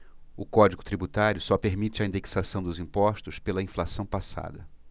o código tributário só permite a indexação dos impostos pela inflação passada